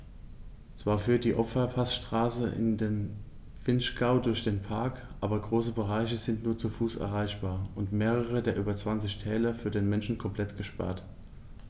Zwar führt die Ofenpassstraße in den Vinschgau durch den Park, aber große Bereiche sind nur zu Fuß erreichbar und mehrere der über 20 Täler für den Menschen komplett gesperrt.